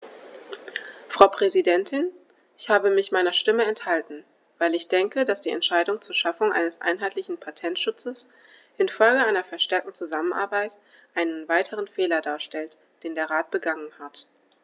Frau Präsidentin, ich habe mich meiner Stimme enthalten, weil ich denke, dass die Entscheidung zur Schaffung eines einheitlichen Patentschutzes in Folge einer verstärkten Zusammenarbeit einen weiteren Fehler darstellt, den der Rat begangen hat.